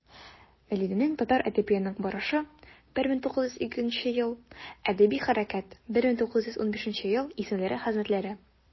Вәлидинең «Татар әдәбиятының барышы» (1912), «Әдәби хәрәкәт» (1915) исемле хезмәтләре.